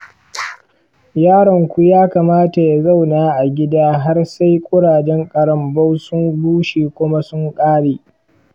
yaronku ya kamata ya zauna a gida har sai kurajen ƙarambau sun bushe kuma sun ƙare.